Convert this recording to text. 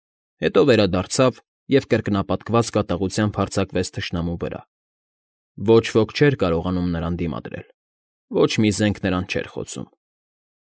Հետո վերադարձավ և կրկնապատկված կատաղությամբ հարձակվեց թշնամու վրա. ոչ ոք չէր կարողանում նրան դիմադրել, ոչ մի զենք նրան չէր խոցում։